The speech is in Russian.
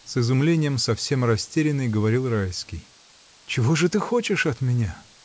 — с изумлением, совсем растерянный говорил Райский. — Чего же ты хочешь от меня?